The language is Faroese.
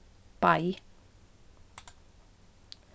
bei